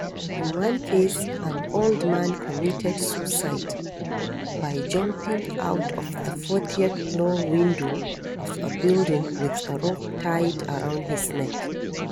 In one case, an old man committed suicide by jumping out of the fourth-floor window of a building with a rope tied around his neck.